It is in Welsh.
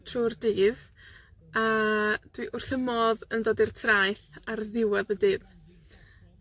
trw'r dydd, a dwi wrth 'ym modd yn dod i'r traeth ar ddiwedd y dydd.